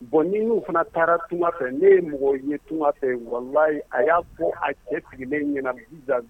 Bon n' fana taara tun fɛ ne ye mɔgɔ ye tun fɛ wala a y'a bɔ a cɛ tigɛ ɲɛna bi